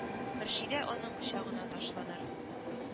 Мөршидә аның кочагына ташланыр